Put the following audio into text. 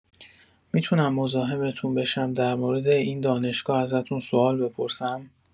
می‌تونم مزاحمتون بشم در مورد این دانشگاه ازتون سوال بپرسم؟